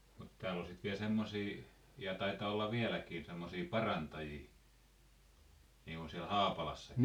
mutta täällä oli sitten vielä semmoisia ja taitaa olla vieläkin semmoisia parantajia niin kuin siellä Haapalassakin